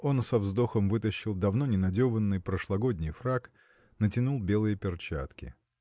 Он со вздохом вытащил давно не надеванный прошлогодний фрак натянул белые перчатки.